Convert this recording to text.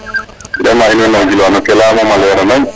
vraiment in way na gilwa ke leya moom a lera nañ